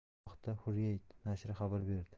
bu haqda hurriyet nashri xabar berdi